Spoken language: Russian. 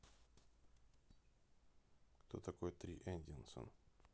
кто такой три эдинсон